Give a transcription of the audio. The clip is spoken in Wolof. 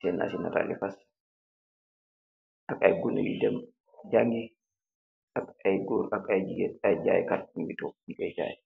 giss nasi natal li fass ay guneh yu dem jangi ak ay gorr ak ay jigeen ay jaaykat nyu gi tog fonu dii jaaye.